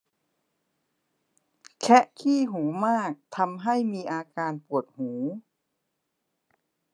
แคะขี้หูมากทำให้มีอาการปวดหู